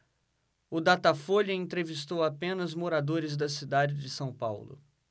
o datafolha entrevistou apenas moradores da cidade de são paulo